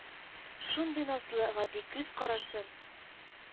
Шундый назлы, гади күз карашын